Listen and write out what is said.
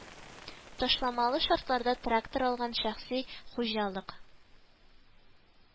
Ташламалы шартларда трактор алган шәхси хуҗалык